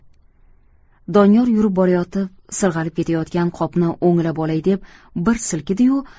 doniyor yurib borayotib sirg'alib ketayotgan qopni o'nglab olay deb bir silkidi yu